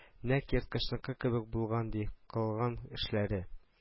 Нәкъ ерткычныкы кебек булган, ди, кылган эшләре